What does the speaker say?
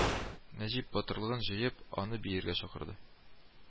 Нәҗип батырлыгын җыеп аны биергә чакырды